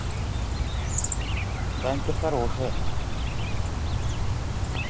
танька хорошая